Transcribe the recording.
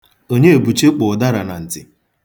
Onyebụchi kpụ ụdara na ntị.